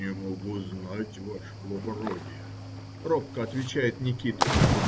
- Не могу знать, ваше благородие, - робко отвечает Никита.